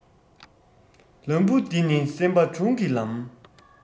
ལམ བུ འདི ནི སེམས པ དྲུང གི ལམ